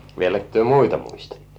vieläkö te muita muistatte